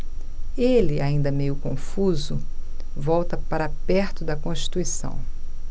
ele ainda meio confuso volta para perto de constituição